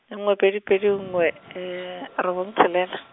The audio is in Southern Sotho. nngwe pedi pedi nngwe, robong tshelela.